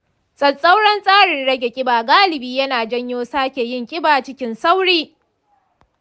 tsatstsauran tsarin rage kiba galibi yana janyo sake yin kiba cikin sauri.